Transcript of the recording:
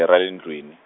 i ra le ndlwini.